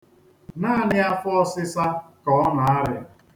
Naanị afọọsịsa ka ọ na-arịa